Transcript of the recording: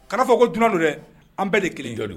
Kan'a fɔ ko dunan don dɛ an bɛɛ de ye 1 ye i jɔ don